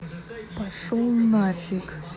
пошел нафиг